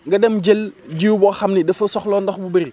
nga dem jël jiw boo xam ni dafa soxla ndox bu bëri